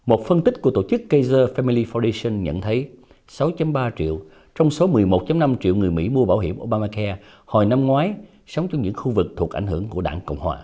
một phân tích của tổ chức cây dờ pham mi li phao đây sừn nhận thấy sáu chấm ba triệu trong số mười một chấm năm triệu người mỹ mua bảo hiểm ô ba ma ke hồi năm ngoái sống trong những khu vực thuộc ảnh hưởng của đảng cộng hòa